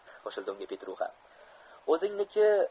qo'shildi unga petruxa